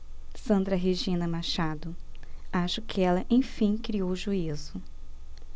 sandra regina machado acho que ela enfim criou juízo